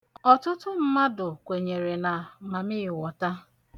Ọtụtụ mmadụ kwenyere na mamịịwọta.